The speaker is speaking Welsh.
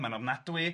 Ma'n ofnadwy.